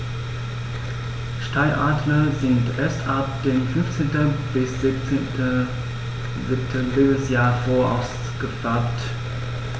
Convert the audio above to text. Steinadler sind erst ab dem 5. bis 7. Lebensjahr voll ausgefärbt.